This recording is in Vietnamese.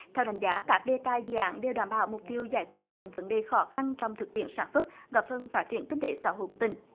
theo đánh giá các đề tài dự án đều đảm bảo mục tiêu giải quyết những vấn đề khó khăn trong thực tiễn sản xuất góp phần phát triển kinh tế xã hội của tỉnh